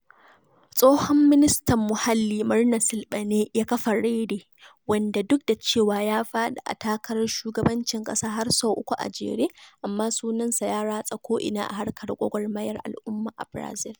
Tsohon ministan muhalli Marina Silɓa ne ya kafa Rede, wanda duk da cewa ya faɗi a takarar shugabancin ƙasa har sau uku a jere, amma sunansa ya ratsa ko'ina a harkar gwagwarmayar al'umma a Barazil.